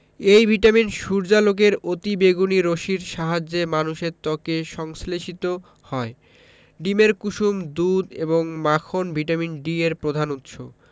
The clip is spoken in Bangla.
এই ভিটামিন সূর্যালোকের অতিবেগুনি রশ্মির সাহায্যে মানুষের ত্বকে সংশ্লেষিত হয় ডিমের কুসুম দুধ এবং মাখন ভিটামিন ডি এর প্রধান উৎস